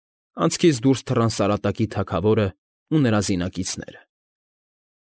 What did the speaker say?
Անցքից դուրս թռան Սարատակի թագավորն ու նրա զինակիցները։